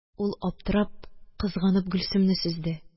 Ул, аптырап, кызганып, Гөлсемне сөзде.